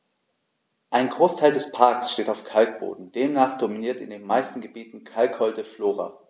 Ein Großteil des Parks steht auf Kalkboden, demnach dominiert in den meisten Gebieten kalkholde Flora.